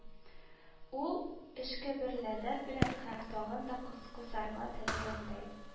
Ул, эчке бер ләззәт белән һәм, тагын да кысарга теләгәндәй,